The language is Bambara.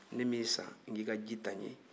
ne m'i san n ko i ka ji ta n ye